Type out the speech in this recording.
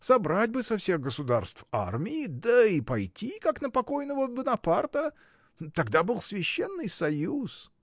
— Собрать бы со всех государств армии да и пойти, как на покойного Бонапарта. Тогда был Священный союз.